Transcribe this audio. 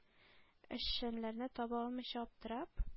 Эшчеләрне таба алмыйча, аптырап,